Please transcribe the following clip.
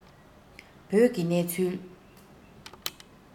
བོད ཀྱི གནས ཚུལ